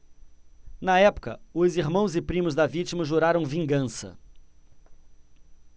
na época os irmãos e primos da vítima juraram vingança